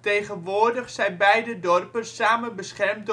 Tegenwoordig zijn beide dorpen samen beschermd